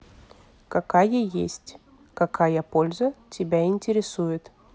какая есть какая польза тебя интересует